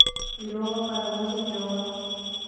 лева паровозик лева